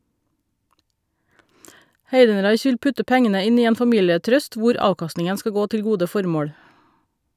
Heidenreich vil putte pengene inn i en familietrust, hvor avkastningen skal gå til gode formål.